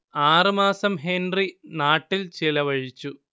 ആറുമാസം ഹെൻറി നാട്ടിൽ ചിലവഴിച്ചു